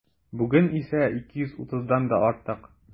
Бүген исә 230-дан да артык.